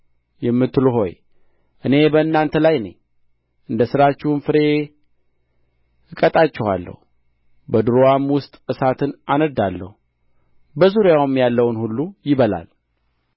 የምትሉ ሆይ እኔ በእናንተ ላይ ነኝ እንደ ሥራችሁም ፍሬ እቀጣችኋለሁ በዱርዋም ውስጥ እሳትን አነድዳለሁ በዙሪያዋም ያለውን ሁሉ ይበላል